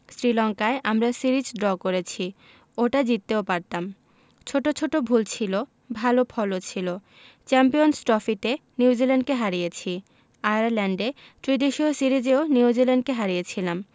শ্রীলঙ্কায় আমরা series draw করেছি ওটা জিততেও পারতাম ছোট ছোট ভুল ছিল ভালো ফলও ছিল চ্যাম্পিয়নস ট্রফিতে নিউজিল্যান্ডকে হারিয়েছি আয়ারল্যান্ডে ত্রিদেশীয় সিরিজেও নিউজিল্যান্ডকে হারিয়েছিলাম